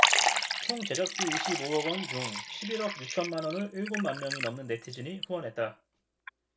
총 제작비 이십 오 억원 중 십 일 억 육천 만원을 일곱 만명이 넘는 네티즌이 후원했다